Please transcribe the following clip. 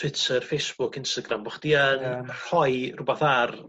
Twitter Facebook Instagram bo' chdi yn rhoi rwbath ar